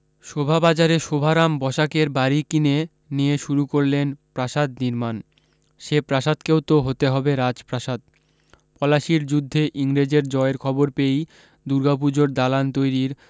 শোভাবাজারে শোভারাম বসাকের বাড়ী কিনে নিয়ে শুরু করলেন প্রাসাদ নির্মাণ সে প্রাসাদকেও তো হতে হবে রাজপ্রাসাদ পলাশির যুদ্ধে ইংরেজের জয়ের খবর পেয়েই দুর্গাপুজোর দালান তৈরীর